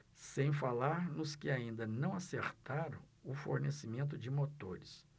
sem falar nos que ainda não acertaram o fornecimento de motores